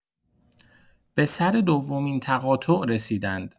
به سر دومین تقاطع رسیدند.